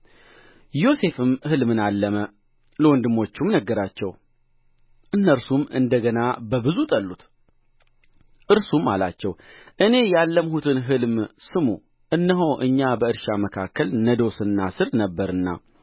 ዮሴፍም ሕልምን አለመ ለወንድሞቹም ነገራቸው እነርሱም እንደ ገና በብዙ ጠሉት እርሱም አላቸው እኔ ያለምሁትን ሕልም ስሙ